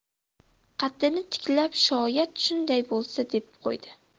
qaddini tiklab shoyad shunday bo'lsa deb qo'ydi